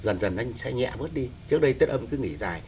dần dần anh sẽ nhẹ bớt đi trước đây tết ấm cứ nghỉ dài